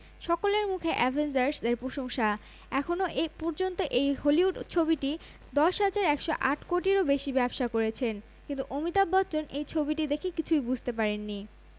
সকলের মুখে অ্যাভেঞ্জার্স এর প্রশংসা এখনও পর্যন্ত এই হলিউড ছবিটি ১০১০৮ কোটিরও বেশি ব্যবসা করেছে কিন্তু অমিতাভ বচ্চন এই ছবিটি দেখে কিছুই বুঝতে পারেননি